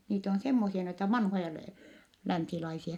niitä on semmoisia noita vanhoja - länsilaisia